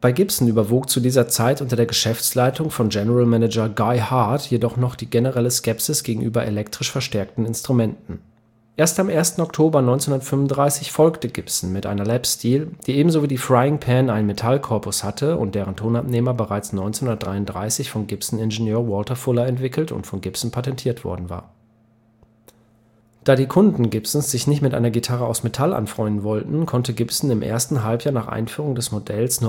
Gibson überwog zu dieser Zeit, unter der Geschäftsleitung von General Manager Guy Hart, jedoch noch die generelle Skepsis gegenüber elektrisch verstärkten Instrumenten. Erst am 1. Oktober 1935 folgte Gibson mit einer Lap Steel, die ebenso wie die Frying Pan einen Metallkorpus hatte, und deren Tonabnehmer bereits seit 1933 von Gibson-Ingenieur Walter Fuller entwickelt und von Gibson patentiert worden war. Da die Kunden Gibsons sich nicht mit einer Gitarre aus Metall anfreunden wollten, konnte Gibson im ersten Halbjahr nach Einführung des Modells